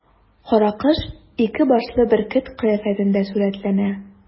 Каракош ике башлы бөркет кыяфәтендә сурәтләнә.